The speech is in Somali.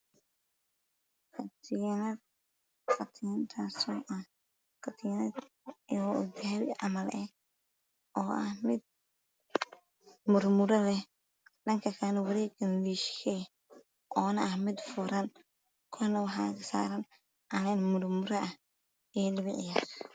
Waa katiinad midabkeedu waa dahabi waana mid kuulo leh, wareegana liisha ka ah, waana mid furan.